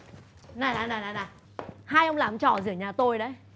này này này này hai ông làm cái trò gì ở nhà tôi đấy